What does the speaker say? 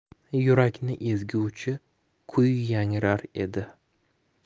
yurakni ezuvchi kugy yangrar edi